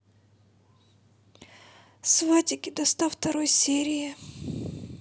сватики до сто второй серии